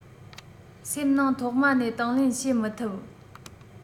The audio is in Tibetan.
སེམས ནང ཐོག མ ནས དང ལེན བྱེད མི ཐུབ